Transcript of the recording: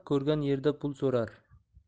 ko'rgan yerda pul so'rar